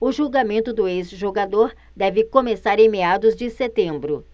o julgamento do ex-jogador deve começar em meados de setembro